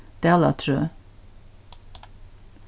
dalatrøð